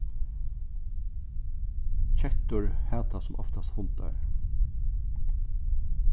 kettur hata sum oftast hundar